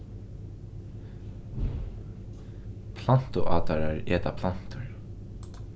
plantuátarar eta plantur